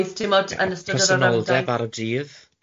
timod yn ystod yr